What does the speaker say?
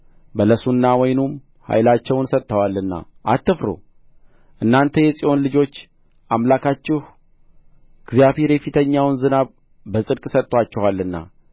በለሱና ወይኑም ኃይላቸውን ሰጥተዋልና አትፍሩ እናንተ የጽዮን ልጆች አምላካችሁ እግዚአብሔር የፊተኛውን ዝናብ በጽድቅ ሰጥቶአችኋልና